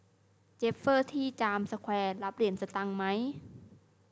เจฟเฟอร์ที่จามสแควร์รับเหรียญสตางค์ไหม